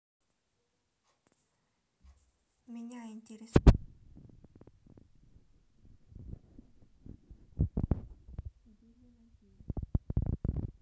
меня интересуют скидки по подписке сберпрайм на аренду самокатов делимобиль